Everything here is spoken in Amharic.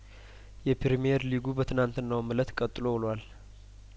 የፕሪምየር ሊጉ በትናንትናውም እለት ቀጥሎውሏል